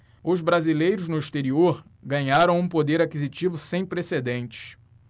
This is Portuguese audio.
os brasileiros no exterior ganharam um poder aquisitivo sem precedentes